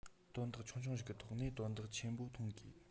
དོན དག ཆུང ཆུང གི ཐོག ནས དོན དག ཆེན པོ མཐོང དགོས